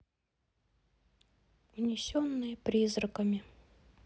унесенными призраками